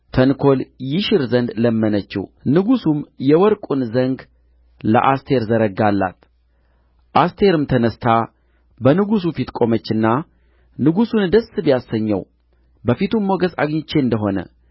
ተንኰል ይሽር ዘንድ ለመነችው ንጉሡም የወርቁን ዘንግ ለአስቴር ዘረጋላት አስቴርም ተነሥታ በንጉሡ ፊት ቆመችና ንጉሡን ደስ ቢያሰኘው በፊቱም ሞገስ አግኝቼ እንደሆነ